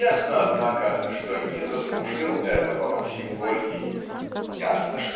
Ясно, однако, что не заслужил этого Максим Горький ясно